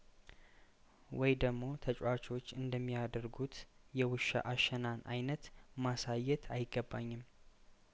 ወይደግሞ ተጫዋቾች እንደሚያደርጉት የውሻ አሸናን አይነት ማሳየት አይገባኝም